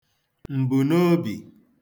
m̀bùnobì